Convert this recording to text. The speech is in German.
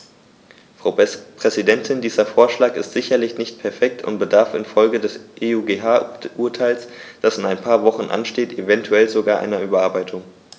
Frau Präsidentin, dieser Vorschlag ist sicherlich nicht perfekt und bedarf in Folge des EuGH-Urteils, das in ein paar Wochen ansteht, eventuell sogar einer Überarbeitung.